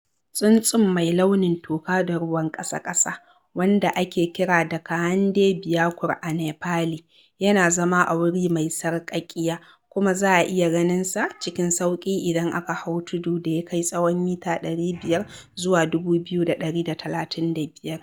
Tsuntsun mai launin toka da ruwan ƙasa-ƙasa, wanda ake kira da Kaande Bhyakur a Nepali, yana zama a wuri mai sarƙaƙiya kuma za a iya ganin sa cikin sauƙi idan aka hau tudu da ya kai tsawo mita 500 zuwa 2135.